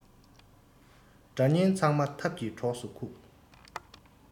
དགྲ གཉེན ཚང མ ཐབས ཀྱིས གྲོགས སུ ཁུག